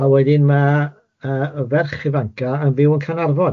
...a wedyn ma yy y ferch ifanca yn byw yn Carnarfon.